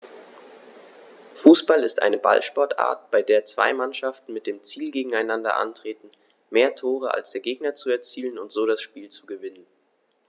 Fußball ist eine Ballsportart, bei der zwei Mannschaften mit dem Ziel gegeneinander antreten, mehr Tore als der Gegner zu erzielen und so das Spiel zu gewinnen.